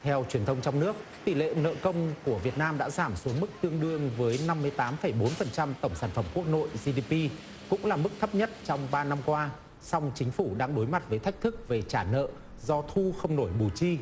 theo truyền thông trong nước tỷ lệ nợ công của việt nam đã giảm xuống mức tương đương với năm mươi tám phẩy bốn phần trăm tổng sản phẩm quốc nội di đi pi cũng là mức thấp nhất trong ba năm qua song chính phủ đang đối mặt với thách thức về trả nợ do thu không nổi bù chi